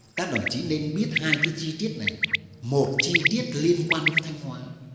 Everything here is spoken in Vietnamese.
các đồng chí nên biết hai cái chi tiết này một chi tiết liên quan đến thanh hóa